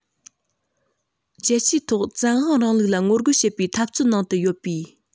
རྒྱལ སྤྱིའི ཐོག བཙན དབང རིང ལུགས ལ ངོ རྒོལ བྱེད པའི འཐབ རྩོད ནང དུ ཡོད པའི